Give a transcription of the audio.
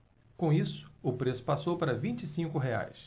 com isso o preço passou para vinte e cinco reais